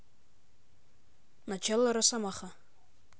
начало росомаха